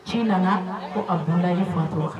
Ci nana ko a kununda i fɔtu